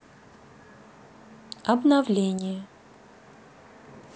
обновление